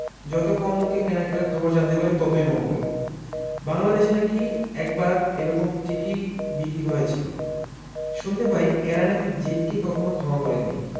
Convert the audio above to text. যত কম লোকে কেনাকাটার খবরটা জানতে পারে ততই মঙ্গল বাংলাদেশে নাকি একবার এরকম টিকি বিক্রি হয়েছিল শুনতে পাই এঁরা নাকি জিদকে কখনো ক্ষমা করেন নি